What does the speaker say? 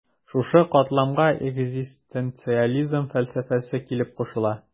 Шушы катламга экзистенциализм фәлсәфәсе килеп кушыла.